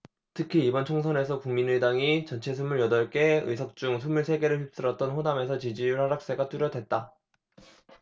특히 이번 총선에서 국민의당이 전체 스물 여덟 개 의석 중 스물 세 개를 휩쓸었던 호남에서 지지율 하락세가 뚜렷했다